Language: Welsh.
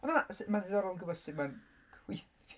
Wel na sy- Mae'n ddiddorol gwybod sut mae weith-...